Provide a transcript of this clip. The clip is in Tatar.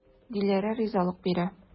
Диләрә ризалык бирә.